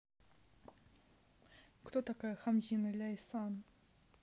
кто такая хамзина ляйсан